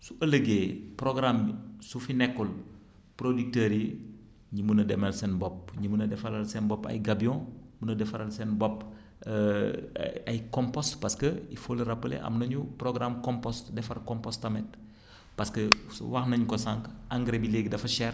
su ëllëgee programme mi su fi nekkul producteurs yi ñu mën a demal seen bopp ñu mën a defaral seen bopp ay gabions mën a defaral seen bopp ay compost parce que il faut le rappeler am nañu programme compost defar compost tamit parce que su wax nañu ko sànq engrais bi léegi dafa cher